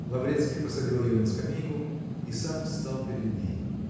Лаврецкий посадил ее на скамейку и сам стал перед ней.